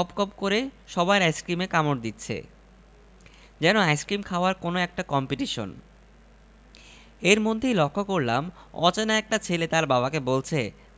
একবার এক মফস্বল শহরে আমাকে নিয়ে গিয়েছিল প্রধান অতিথি করে খুব সম্ভব গুরুত্বপূর্ণ কাউকে তারা রাজি